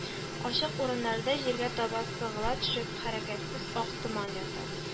Ачык урыннарда, җиргә таба сыгыла төшеп, хәрәкәтсез ак томан ята